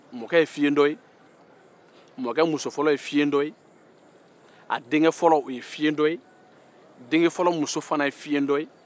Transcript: mɔkɛ ye fiɲɛtɔ ye mɔkɔ musofɔlɔ ye fiɲɛtɔ ye a denkɛfɔlɔ o ye fiɲɛtɔ ye denkɛfɔlɔ muso fana ye fiɲɛtɔ ye